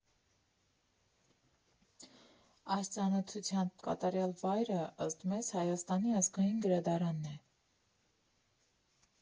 Այս ծանոթության կատարյալ վայրը, ըստ մեզ, Հայաստանի ազգային գրադարանն է»։